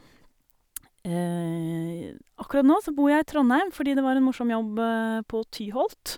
Akkurat nå så bor jeg i Trondheim fordi det var en morsom jobb på Tyholt.